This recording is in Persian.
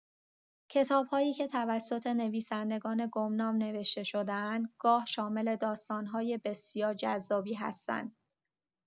کتاب‌هایی که توسط نویسندگان گمنام نوشته شده‌اند، گاه شامل داستان‌های بسیار جذابی هستند.